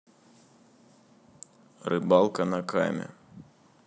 рыбалка на каме